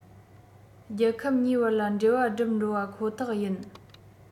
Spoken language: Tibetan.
རྒྱལ ཁབ གཉིས བར ལ འབྲེལ བ བསྒྲིབས འགྲོ བ ཁོ ཐག ཡིན